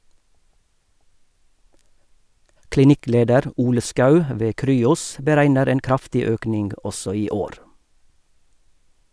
Klinikkleder Ole Schou ved Cryos beregner en kraftig økning også i år.